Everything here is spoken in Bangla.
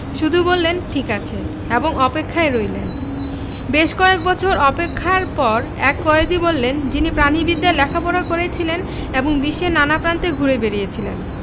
শুধু বললেন ঠিক আছে এবং অপেক্ষায় রইলেন বেশ কয়েক বছর অপেক্ষার পর এক কয়েদি বললেন যিনি প্রাণিবিদ্যায় লেখাপড়া করেছিলেন এবং বিশ্বের নানা প্রান্তে ঘুরে বেড়িয়েছিলেন